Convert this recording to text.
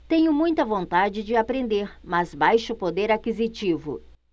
tenho muita vontade de aprender mas baixo poder aquisitivo